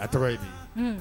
A tɔgɔ ye di